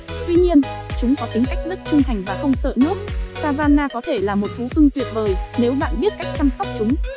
tuy nhiên chúng có tính cách rất trung thành và không sợ nước savannah có thể là một thú cưng tuyệt vời nếu bạn biết cách chăm sóc chúng